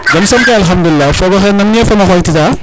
jam soom kay alhadoulilah fog oxe nam ne'e fo ma xooytitaa